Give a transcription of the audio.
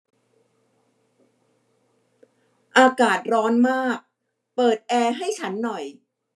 อากาศร้อนมากเปิดแอร์ให้ฉันหน่อย